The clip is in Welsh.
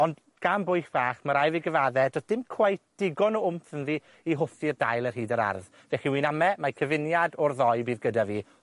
ond gan bwyll bach. Ma' rai' fi gyfadde, do's dim cweit digon o wmff ynddi i hwfftu'r dail ar hyd yr ardd. Felly, wi'n ame mai cyfuniad o'r ddou bydd gyda fi.